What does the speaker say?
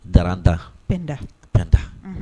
Pɛnda, unh pɛnda